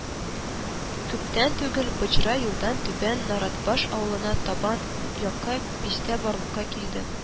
Күптән түгел Боҗра юлдан Түбән Наратбаш авылына табан яңа бистә барлыкка килде